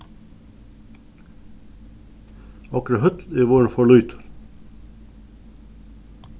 okkara høll er vorðin for lítil